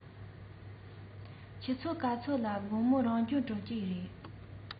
ཆུ ཚོད ག ཚོད ལ དགོང མོའི རང སྦྱོང གྲོལ ཀྱི རེད